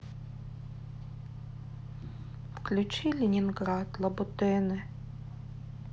включи ленинград лабутены